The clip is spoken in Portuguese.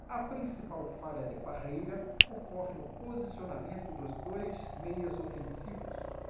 a principal falha de parreira ocorre no posicionamento dos dois meias ofensivos